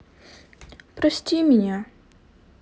прости меня